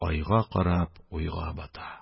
Айга карап, уйга бата.